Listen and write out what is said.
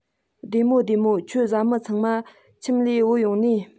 བདེ མོ བདེ མོ ཁྱོད བཟའ མི ཚང མ ཁྱིད ལས བུད ཡོང ནིས